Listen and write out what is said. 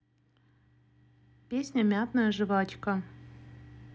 песня мятная жвачка